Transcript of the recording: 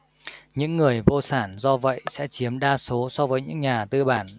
những người vô sản do vậy sẽ chiếm đa số so với những nhà tư bản